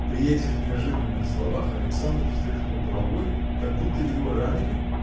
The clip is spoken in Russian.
При этих неожиданных словах Александр встряхнул головой как будто его ранили